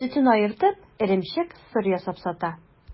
Сөтен аертып, эремчек, сыр ясап сата.